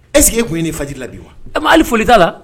Ɛseke e kun ye' faji la bi wa a ma foli t' la